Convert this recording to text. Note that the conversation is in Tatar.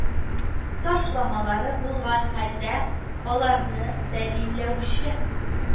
Ташламалары булган хәлдә, аларны дәлилләүче